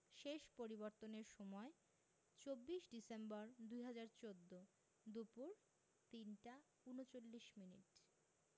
শেষ পরিবর্তনের সময় ২৪ ডিসেম্বর ২০১৪ দুপুর ৩টা ৩৯মিনিট